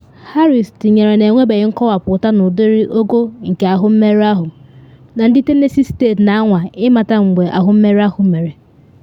Harris tinyere na “enwebeghị nkọwapụta n’ụdịrị/ogo nke ahụ mmerụ ahụ” na ndị Tennessee State na anwa ịmata mgbe ahụ mmerụ ahụ mere.